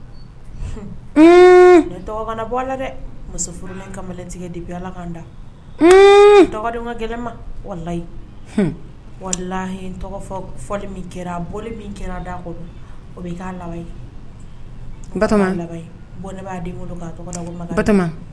Bɔ la dɛ musotigɛ de bɛ ala ka dayi kɛra bɔ kɛra da o' laban b'a